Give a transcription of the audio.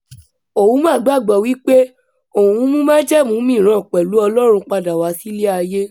Ouma gbàgbọ́ wípé òun ń mú májẹ̀mú mìíràn pẹ̀lú Ọlọ́run padà wá sílé ayé.